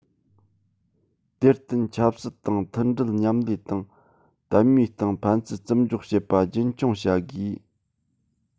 དེར བརྟེན ཆབ སྲིད སྟེང མཐུན སྒྲིལ མཉམ ལས དང དད མོས སྟེང ཕན ཚུན བརྩི འཇོག བྱེད པ རྒྱུན འཁྱོངས བྱ དགོས